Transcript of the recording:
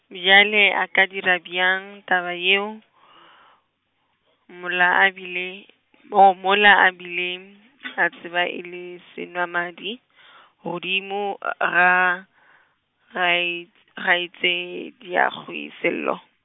bjale a ka dira bjang taba yeo , mola a bile, oh mola a bile, a tseba e le senwamadi , godimo ga , kgae-, kgaetšediagwe Sello.